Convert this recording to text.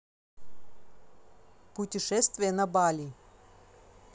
путешествие на бали